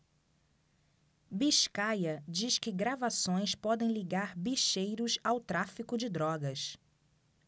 biscaia diz que gravações podem ligar bicheiros ao tráfico de drogas